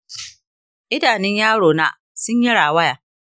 idanun yaro na sun yi rawaya.